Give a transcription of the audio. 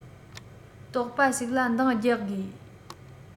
རྟོགས པ ཞིག ལ འདང རྒྱག དགོས